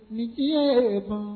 Ni ce